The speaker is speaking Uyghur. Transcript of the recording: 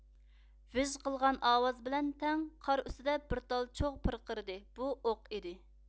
ۋىژ قىلغان ئاۋاز بىلەن تەڭ قار ئۈستىدە بىر تال چوغ پىرقىرىدى بۇ ئوق ئىدى